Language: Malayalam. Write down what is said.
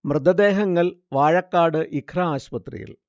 മൃതദേഹങ്ങൾ വാഴക്കാട് ഇഖ്റ ആശുപത്രിയിൽ